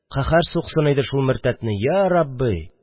Каһәр суксын иде шул мөртәтне, ярабби!